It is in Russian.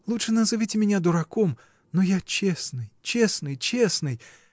Лучше назовите меня дураком, но я честный, честный, честный!